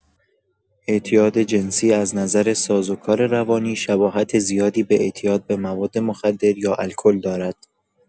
اعتیاد جنسی از نظر سازوکار روانی شباهت زیادی به اعتیاد به مواد مخدر یا الکل دارد.